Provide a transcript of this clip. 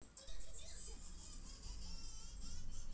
это блядь первая буква блядь